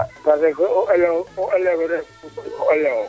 parce que o elew o elewof